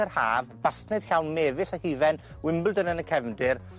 yr haf, bastas llawn mefus a hufen, Wimbledon yn y cefndir.